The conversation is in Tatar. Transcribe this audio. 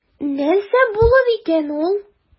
Нәрсә булыр икән ул?